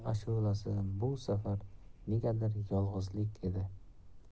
safar negadir yolg'izlik edi